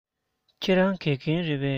ཁྱེད རང དགེ རྒན རེད པས